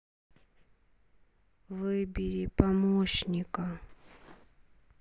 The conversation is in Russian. выбери помощника